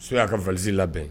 So y'a ka valisi labɛn